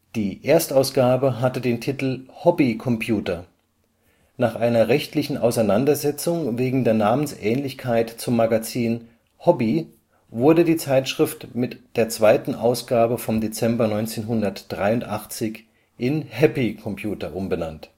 Die Erstausgabe hatte den Titel Hobby Computer. Nach einer rechtlichen Auseinandersetzung wegen der Namensähnlichkeit zum Magazin Hobby wurde die Zeitschrift mit der zweiten Ausgabe (Dezember 1983) in Happy Computer umbenannt